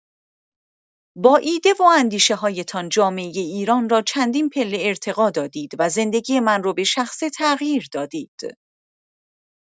با ایده و اندیشه‌هایتان جامعۀ ایران را چندین پله ارتقا دادید و زندگی من را به‌شخصه تغییر دادید.